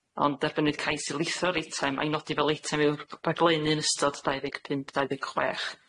ond derbyniwyd cais i lithro'r eitem a'i nodi fel eitem i'w rhaglennu yn ystod dau ddeg pump dau ddeg chwech.